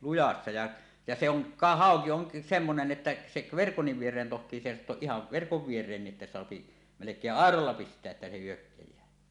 lujassa ja ja se on ka hauki on semmoinen että se verkon viereen tohtii seisahtua ihan verkon viereen että saa melkein airolla pistää että se hyökkää